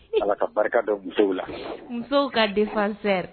Ala ka barika don musow la. Musow ka defenseur